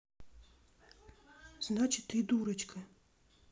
значит и дурочка